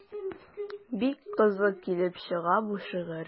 Бик кызык килеп чыга бу шигырь.